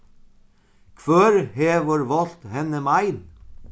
hvør hevur volt henni mein